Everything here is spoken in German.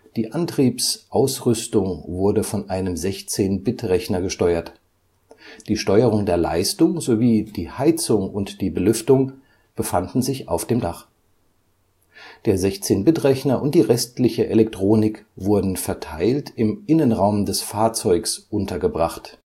Die Antriebsausrüstung wurde von einem 16-bit-Rechner gesteuert. Die Steuerung der Leistung sowie die Heizung und die Belüftung befanden sich auf dem Dach. Der 16-bit-Rechner und die restliche Elektronik wurden verteilt im Innenraum des Fahrzeugs untergebracht